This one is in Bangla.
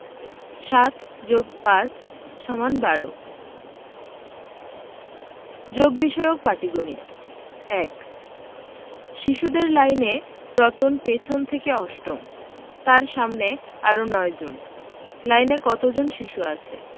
৭+৫ = ১২ যোগ বিষয়ক পাটিগনিত ১ শিশুদের লাইনে রতন পিছন থেকে অষ্টম তার সামনে আরও ৯ জন লাইনে কত জন শিশু আছে